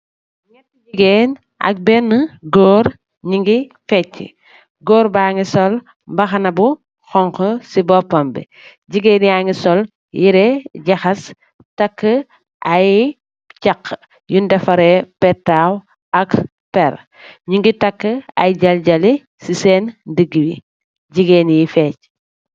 Jigeen ak benuh goor nyunge fetche goor bangi sul mbakhana bu xong khu si bopam bi jigeen yange sul yereh njakhass takuh aye chakhuh mungi ame aye perr nyunge takuh aye jeljelih sen ndigibi